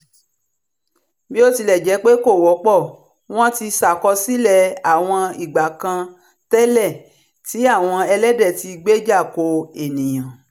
Bó tilẹ̀ jẹ́ pé kò wọ́pọ̀, wọ́n ti ṣàkọsílẹ̀ àwọn ìgbà kan tẹ́lẹ̀ tí àwọn ẹlẹ́dẹ̀ ti gbéjà ko èèyàn.